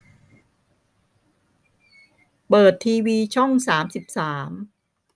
เปิดทีวีช่องสามสิบสาม